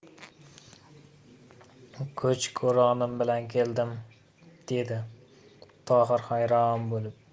ko'ch ko'ronim bilan keldim dedi tohir hayron bo'lib